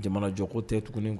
Jamanajɔkɔ tɛ tugun